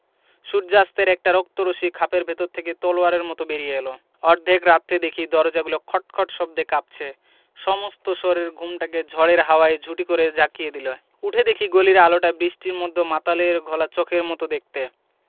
সূর্য্যাস্তের একটা রক্ত রশ্মি খাপের ভেতর থেকে তলোয়ারের মত বেরিয়ে এল অর্ধেক রাত্রে দেখি দরজাগুলো খটখট শব্দে কাঁপছে সমস্ত শহরের ঘুমটাকে ঝড়ের হাওয়ায় ঝুঁটি ধরে ঝাঁকিয়ে দিলয় উঠে দেখি গলির আলোটা বৃষ্টির মধ্য মাতালের ঘোলা চখের মত দেখতে